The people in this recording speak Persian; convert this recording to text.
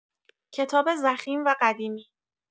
کتاب ضخیم و قدیمی